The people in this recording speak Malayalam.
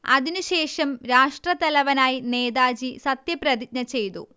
അതിനുശേഷം രാഷ്ട്രത്തലവനായി നേതാജി സത്യപ്രതിജ്ഞ ചെയ്തു